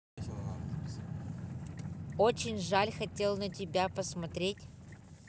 очень жаль хотел на тебя посмотреть